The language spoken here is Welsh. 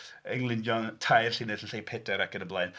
..Englynion tair llinell yn lle pedwar ac yn y blaen.